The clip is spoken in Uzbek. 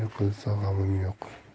yiqilsa g'amim yo'q